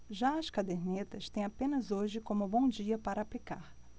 já as cadernetas têm apenas hoje como um bom dia para aplicar